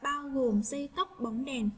bao gồm dây tóc bóng đèn